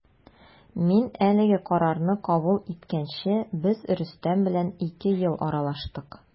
Мин әлеге карарны кабул иткәнче без Рөстәм белән ике ел аралаштык.